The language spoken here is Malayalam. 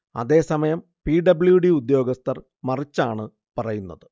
അതേ സമയം പി. ഡബ്ല്യു. ഡി ഉദ്യോഗസ്ഥർ മറിച്ചാണ് പറയുന്നത്